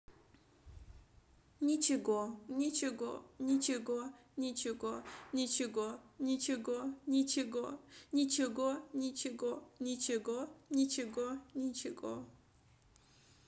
ничего ничего ничего ничего ничего ничего ничего ничего ничего ничего ничего ничего